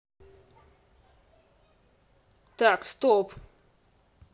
так стоп